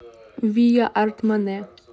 вия артмане